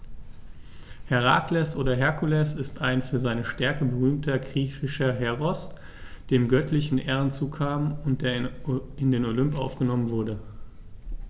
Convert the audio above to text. Herakles oder Herkules ist ein für seine Stärke berühmter griechischer Heros, dem göttliche Ehren zukamen und der in den Olymp aufgenommen wurde.